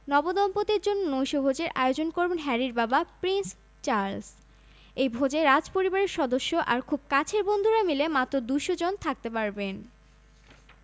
১৯ May Prince Harry ও মেগান মার্কেলের বিয়ে এখন চলছে শেষ মুহূর্তের প্রস্তুতি বিশ্বে এই রাজকীয় বিয়ে নিয়ে চলছে অনেক আলোচনা গবেষণা